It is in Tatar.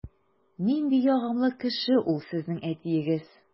Нинди ягымлы кеше ул сезнең әтиегез!